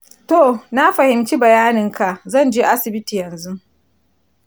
toh, na fahimci bayaninka, zan je asibiti yanzu.